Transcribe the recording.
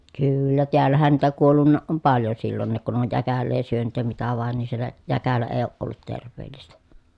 kyllä täällähän niitä kuollut on paljon silloinkin kun ne on jäkälää syönyt ja mitä vain niin siellä jäkälä ei ole ollut terveellistä